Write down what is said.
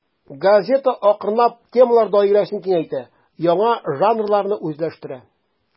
Газета акрынлап темалар даирәсен киңәйтә, яңа жанрларны үзләштерә.